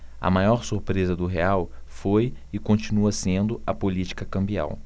a maior surpresa do real foi e continua sendo a política cambial